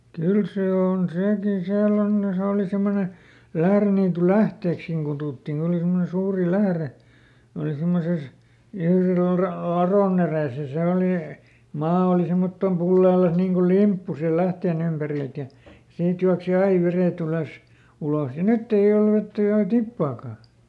kyllä se on sekin siellä on ne se oli semmoinen Lähdeniitynlähteeksikin kutsuttiin kun oli semmoinen suuri lähde oli semmoisessa Ilviluhdan ladon edessä ja se oli maa oli semmottoon pulleellaan niin kuin limppu siinä lähteen ympäriltä ja siitä juoksi aina vedet ylös ulos ja nyt ei ole vettä enää tippaakaan